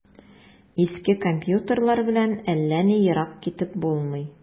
Иске компьютерлар белән әллә ни ерак китеп булмый.